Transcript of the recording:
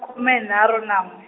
kume nharu na n'we.